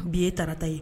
Bi ye tata ye